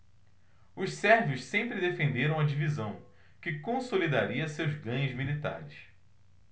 os sérvios sempre defenderam a divisão que consolidaria seus ganhos militares